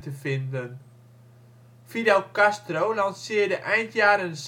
vinden. Fidel Castro lanceerde eind jaren